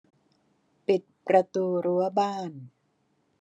ปิดประตูรั้วบ้าน